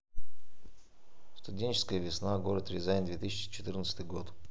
студенческая весна город рязань две тысячи четырнадцатый год